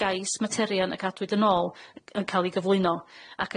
gais materion y cadwyd yn ôl y- yn ca'l 'i gyflwyno ac